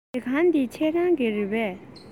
ཉལ ཁང འདི ཁྱེད རང གི རེད པས